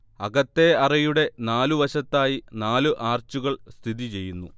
അകത്തേ അറയുടെ നാലു വശത്തായി നാലു ആർച്ചുകൾ സ്ഥിതി ചെയ്യുന്നു